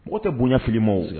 Mɔgɔ tɛ bonyali ma